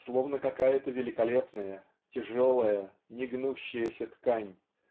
Словно какая-то великолепная тяжелая негнущаяся ткань